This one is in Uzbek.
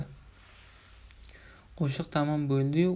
qo'shiq tamom bo'ldi yu